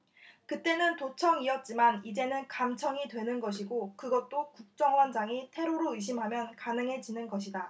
그 때는 도청이었지만 이제는 감청이 되는 것이고 그것도 국정원장이 테러로 의심하면 가능해지는 것이다